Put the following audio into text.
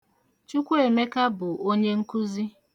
Chukwuemēkā bụ onye nkuzi.